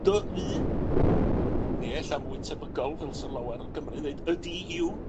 Dy U, ne' ella mwy tebygol, fel sa lawar o Gymry yn ddeud y Dee You?